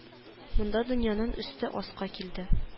Монда дөньяның өсте аска килде